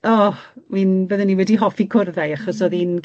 o! Wi'n byddwn i wedi hoffi cwrdd â 'i achos o'dd i'n